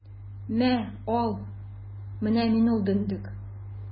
Мә, ал, менә мин ул дөндек!